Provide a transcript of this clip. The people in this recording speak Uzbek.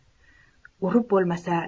urib bo'lmasa